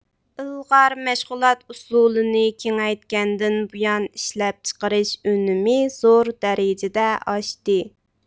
ئىلغار مەشغۇلات ئۇسۇلىنى كېڭيتكەندىن بۇيان ئىشلەپچىقىرىش ئۈنۈمى زور دەرىجىدە ئاشتى